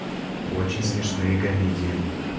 очень смешные комедии